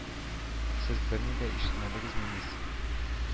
Сез берни дә ишетмәдегезме, мисс